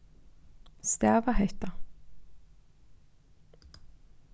stava hetta